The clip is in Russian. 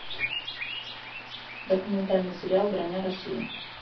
документальный сериал броня россии